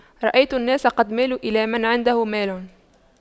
رأيت الناس قد مالوا إلى من عنده مال